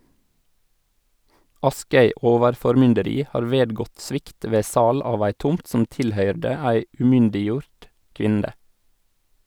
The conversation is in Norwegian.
Askøy overformynderi har vedgått svikt ved sal av ei tomt som tilhøyrde ei umyndiggjord kvinne.